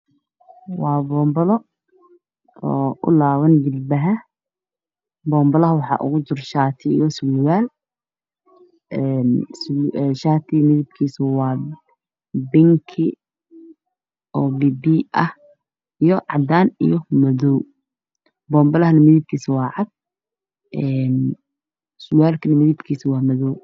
Waabobalo oulaabanjilbaha bonbalaha waxa ugujira shati iyo sirwaal shatigamidibkisawaa binki obiybiyah iyo cadan iyo madow bonbalahana midibkisa waacad sirwal kana midibkisa wamadow